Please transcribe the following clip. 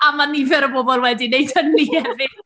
A mae nifer o bobl wedi wneud hynny hefyd!